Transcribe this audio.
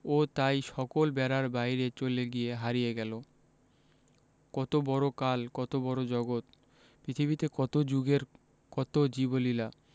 ও তাই সকল বেড়ার বাইরে চলে গিয়ে হারিয়ে গেল কত বড় কাল কত বড় জগত পৃথিবীতে কত যুগের কত জীবলীলা